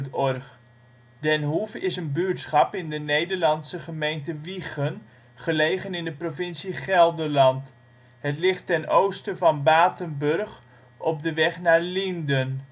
OL Beluister (info) Den Hoef is een buurtschap in de Nederlandse gemeente Wijchen, gelegen in de provincie Gelderland. Het ligt ten oosten van Batenburg op de weg naar Lienden